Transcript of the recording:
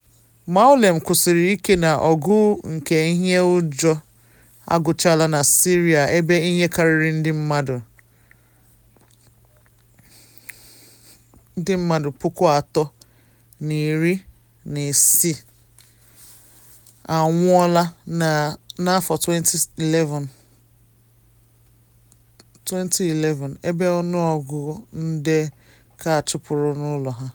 Moualem kwusiri ike na “ọgụ nke ihe ụjọ agwụchaala” na Syria, ebe ihe karịrị ndị mmadụ 360,000 anwụọla na 2011, ebe ọnụọgụ nde ka achụpụrụ n’ụlọ ha.